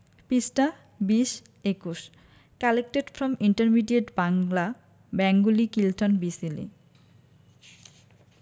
পিষ্ঠাঃ ২০ ২১ collected from intermediate Bangla Bengali Kilton B Seely